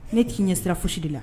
Ne t'i ɲɛ sira fosi de la